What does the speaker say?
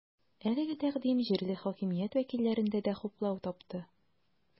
Әлеге тәкъдим җирле хакимият вәкилләрендә дә хуплау тапты.